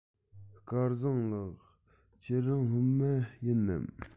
སྐལ བཟང ལགས ཁྱེད རང སློབ མ ཡིན ནམ